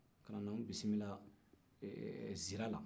ka na n'o bisimila nsira la